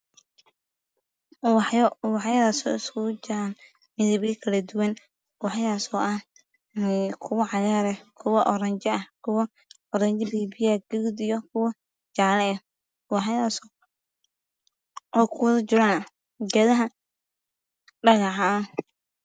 Waa ubaxyo iskugu jiro midabyo kale duwan waa cagaar, oranji, gaduud iyo jaale. Waxaa kujiraan dhoobab.